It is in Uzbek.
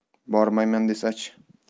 bormayman desa chi